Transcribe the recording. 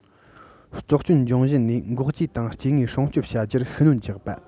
བཙོག སྐྱོན འབྱུང གཞི ནས འགོག བཅོས དང སྐྱེ དངོས སྲུང སྐྱོང བྱ རྒྱུར ཤུགས སྣོན རྒྱག པ